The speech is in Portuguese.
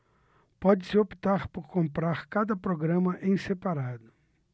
pode-se optar por comprar cada programa em separado